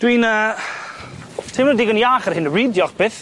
Dwi'n yy teimlo digon iach ar hyn o bryd, diolch byth.